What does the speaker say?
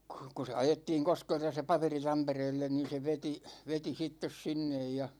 kun kun se ajettiin Koskelta se paperi Tampereelle niin se veti veti sitten sinne ja